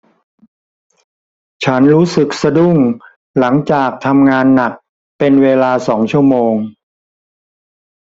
ฉันรู้สึกสะดุ้งหลังจากทำงานหนักเป็นเวลาสองชั่วโมง